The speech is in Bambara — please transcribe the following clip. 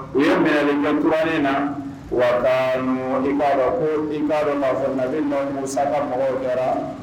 U ye mi kɛ tumanen na wa'a ko i k'a ma na ma san ka mɔgɔw kɛra